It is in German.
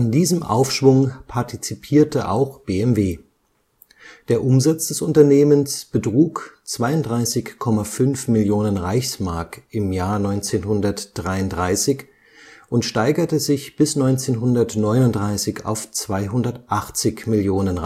diesem Aufschwung partizipierte auch BMW. Der Umsatz des Unternehmens betrug 32,5 Millionen Reichsmark (RM) im Jahr 1933 und steigerte sich bis 1939 auf 280 Millionen